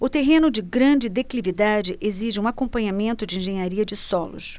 o terreno de grande declividade exige um acompanhamento de engenharia de solos